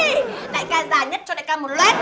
đại ca già nhất cho đại ca một loét